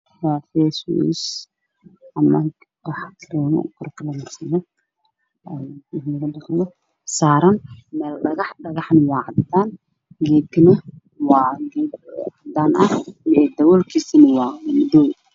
Halkaan waxaa ka muuqdo cream midabkiisu yahay cadaan iyo dhexdo oo gaduud ah furkana waa madaw